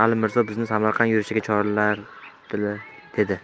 ali mirzo bizni samarqand yurishiga chorlabdir dedi